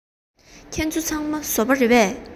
ཁྱེད ཚོ ཚང མ བཟོ པ རེད པས